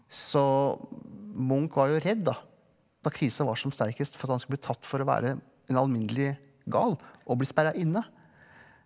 så Munch var jo redd da da krisa var som sterkest for at han skulle bli tatt for å være en alminnelig gal og bli sperra inne.